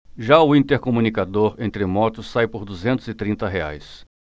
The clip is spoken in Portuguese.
já o intercomunicador entre motos sai por duzentos e trinta reais